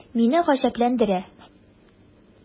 Мине гаҗәпләндерә: